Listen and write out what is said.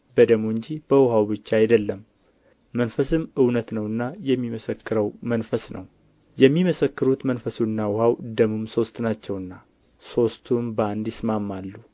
በደሙ እንጂ በውኃው ብቻ አይደለም መንፈስም እውነት ነውና የሚመሰክረው መንፈስ ነው የሚመሰክሩት መንፈሱና ውኃው ደሙም ሦስት ናቸውና ሦስቱም በአንድ ይስማማሉ